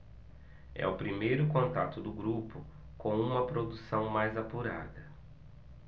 é o primeiro contato do grupo com uma produção mais apurada